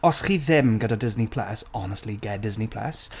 Os chi ddim gyda Disney Plus, honestly, get Disney Plus.